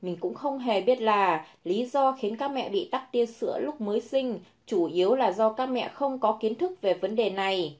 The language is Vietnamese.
mình cũng không hề biết là lý do khiến các mẹ bị tắc tia sữa lúc mới sinh chủ yếu là do các mẹ không có kiến thức về vấn đề này